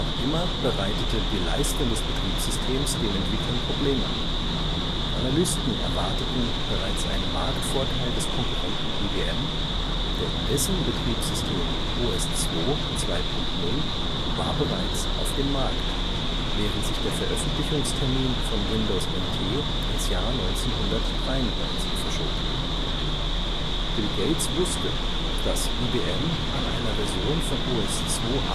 immer bereitete die Leistung des Betriebssystems den Entwicklern Probleme. Analysten erwarteten bereits einen Marktvorteil des Konkurrenten IBM, denn dessen Betriebssystem OS/2 2.0 war bereits auf dem Markt, während sich der Veröffentlichungstermin von Windows NT ins Jahr 1993 verschob. Bill Gates wusste, dass IBM an einer Version von OS/2 arbeitete